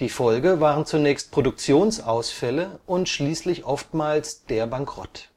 Folge waren zunächst Produktionsausfälle und schließlich oftmals der Bankrott